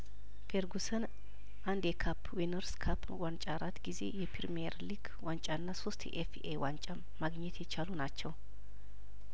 ፌርጉሰን አንድ የካፕ ዊነር ስካፕ ዋንጫ አራት ጊዜ የፕሪምየር ሊግ ዋንጫና ሶስት የኤፍኤ ዋንጫ ማግኘት የቻሉ ናቸው